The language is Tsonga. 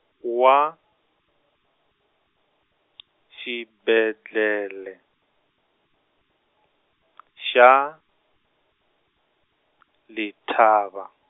wa, xibedlhele , xa , Letaba.